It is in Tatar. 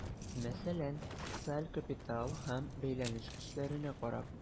Мәсәлән, социаль капитал һәм бәйләнеш көчләренә карап.